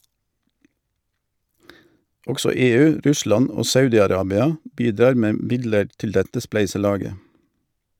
Også EU, Russland og Saudi-Arabia bidrar med midler til dette spleiselaget.